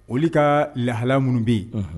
Olu ka lahala minnu bɛ yen